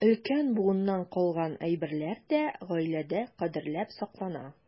Өлкән буыннан калган әйберләр дә гаиләдә кадерләп саклана.